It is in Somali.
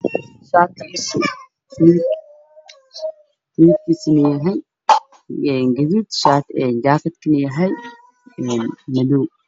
Shati yuusud midabkiisuna yahay guduud jacketkana yahay madow